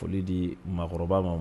Foli di maakɔrɔba ma